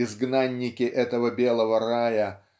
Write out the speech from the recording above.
изгнанники этого белого рая